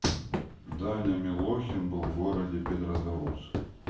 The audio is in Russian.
даня милохин был в городе петрозаводск